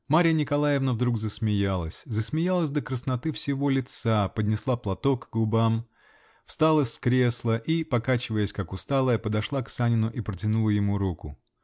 Марья Николаевна вдруг засмеялась, засмеялась до красноты всего лица, поднесла платок к губам, встала с кресла и, покачиваясь, как усталая, подошла к Санину и проткнула ему руку.